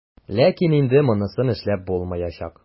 Ләкин инде монысын эшләп булмаячак.